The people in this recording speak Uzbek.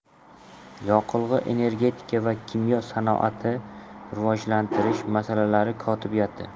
yoqilg'i energetika va kimyo sanoatini rivojlantirish masalalari kotibiyati